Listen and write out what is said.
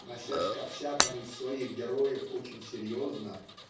относясь ко всякому из своих героев очень серьезно